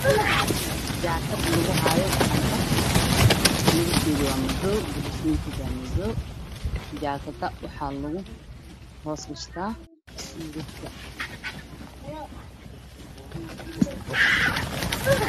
Meeshaan waxaa ka muuqdo jaakad lagu hayo gacanta